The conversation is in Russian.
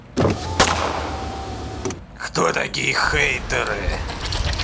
кто такие хейтеры